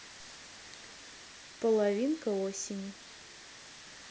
половинка осенний